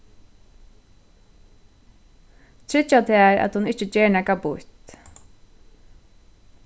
tryggja tær at hon ikki ger nakað býtt